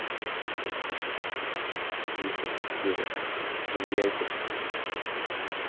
виктор петлюра ковыляй потихонечку